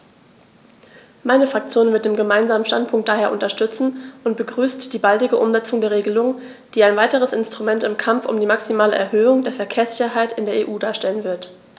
Meine Fraktion wird den Gemeinsamen Standpunkt daher unterstützen und begrüßt die baldige Umsetzung der Regelung, die ein weiteres Instrument im Kampf um die maximale Erhöhung der Verkehrssicherheit in der EU darstellen wird.